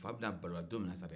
fa bɛna bal'o la don min na sa de